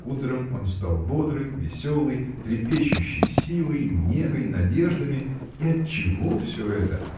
Утром он встал бодрый, веселый, трепещущий силой, негой, надеждами — и отчего всё это?